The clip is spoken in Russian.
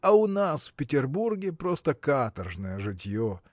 А у нас, в Петербурге, просто каторжное житье!